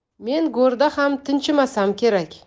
men go'rda ham tinchimasam kerak